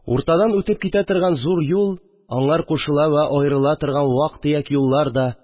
Уртадан үтеп китә торган зур юл, аңар кушыла вә аэрыла торган вак-төяк юллар да